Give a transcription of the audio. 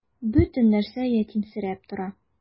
Бөтен нәрсә ятимсерәп тора.